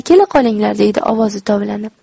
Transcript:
kela qolinglar deydi ovozi tovlanib